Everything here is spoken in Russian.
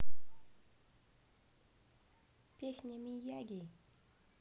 песня miyagi